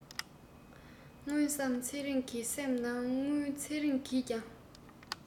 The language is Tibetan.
དངུལ བསམ ཚེ རིང གི སེམས ནང དངུལ ཚེ རིང གིས ཀྱང